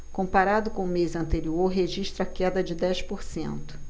comparado com o mês anterior registra queda de dez por cento